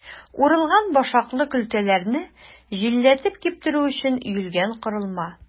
Урылган башаклы көлтәләрне җилләтеп киптерү өчен өелгән корылма.